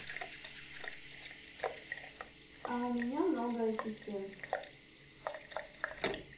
а у меня много ассистент